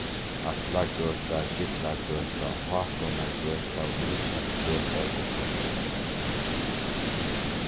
atlagøta gillagøta hákunargøta ísaksgøta guttormsgøta